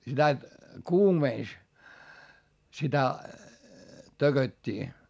sitä kuumensi sitä tököttiä